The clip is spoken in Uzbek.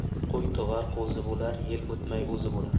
qo'y tug'ar qo'zi bo'lar yil o'tmay o'zi bo'lar